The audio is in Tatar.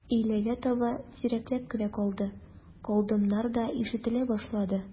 Өйләгә таба сирәкләп кенә «калды», «калдым»нар да ишетелә башлады.